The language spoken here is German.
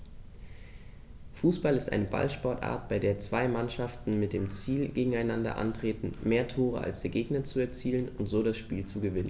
Fußball ist eine Ballsportart, bei der zwei Mannschaften mit dem Ziel gegeneinander antreten, mehr Tore als der Gegner zu erzielen und so das Spiel zu gewinnen.